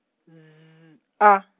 Z A.